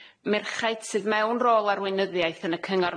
merchaid sydd mewn rôl arweinyddiaeth yn y cyngor,